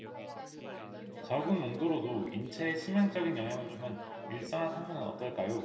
적은 농도로도 인체에 치명적인 영향을 주는 일산화탄소는 어떨까요